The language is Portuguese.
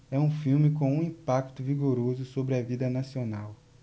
é um filme com um impacto vigoroso sobre a vida nacional